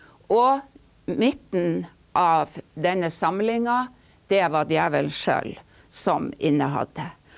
og midten av denne samlinga, det var djevelen sjøl som innehadde.